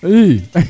i